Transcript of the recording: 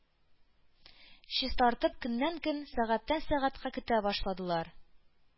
Чистартып көннән-көн, сәгатьтән-сәгатькә көтә башладылар,